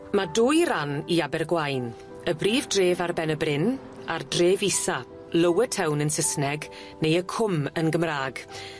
Ma' dwy ran i Abergwaun, y brif dref ar ben y bryn, a'r dref isa, Lower Town yn Sysneg neu y Cwm yn Gymra'g.